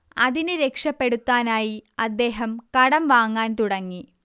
അതിനെ രക്ഷപെടുത്താനായി അദ്ദേഹം കടം വാങ്ങാൻ തുടങ്ങി